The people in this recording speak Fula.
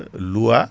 luuwa